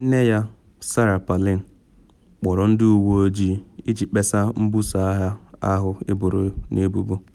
Nne ya, Sarah Palin, kpọrọ ndị uwe ojii iji kpesa mbuso agha ahụ eboro n’ebubo.